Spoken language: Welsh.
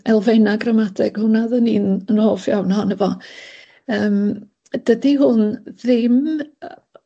elfennau gramadeg, hwnna oddwn i'n yn hoff iawn ohono fo, yym dydi hwn ddim yy